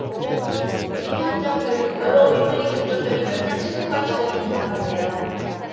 김현정 결국 여러 의문의 결정적인 열쇠는 신부가 쥐고 있는 거 같네요